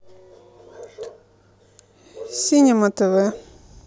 синема тв